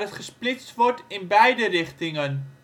gesplitst wordt in beide richtingen